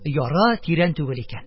Яра тирән түгел икән.